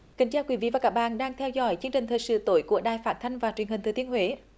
kính chào quý vị và các bạn đang theo dõi chương trình thời sự tối của đài phát thanh và truyền hình thừa thiên huế